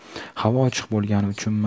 havo ochiq bo'lgani uchunmi